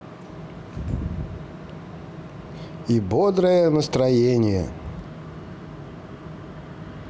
и бодрое настроение